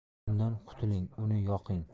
undan qutuling uni yoqing